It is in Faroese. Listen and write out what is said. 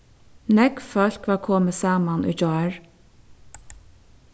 nógv fólk var komið saman í gjár